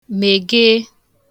mègee